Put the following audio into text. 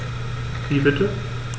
Wie bitte?